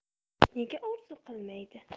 nega orzu qilmaydi